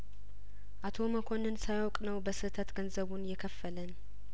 አቶ መኮንን ሳያውቅ ነው በስህተት ገንዘቡን የከፈለን